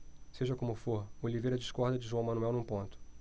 seja como for oliveira discorda de joão manuel num ponto